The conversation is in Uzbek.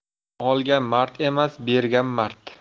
olgan mard emas bergan mard